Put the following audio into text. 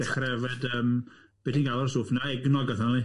Dechrau yfed yym be ti'n galw'r swff yna, Egnog aethon ni.